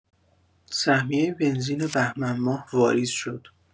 سهمیه بنزین بهمن‌ماه واریز شد.